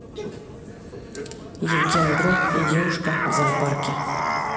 евген бро и девушка в зоопарке